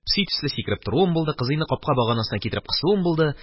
Песи төсле сикереп торуым булды, кызыйны капка баганасына китереп кысуым булды.